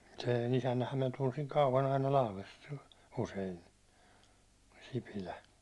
sen isännänhän minä tunsin kauan aina Lahdesta usein Sipilä